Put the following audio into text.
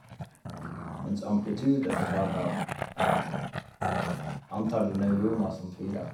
Mens amplitude er forklart av antall neuroner som fyrer.